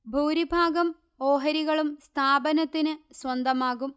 ഭൂരിഭാഗം ഓഹരികളും സ്ഥാപനത്തിന്ന് സ്വന്തമാകും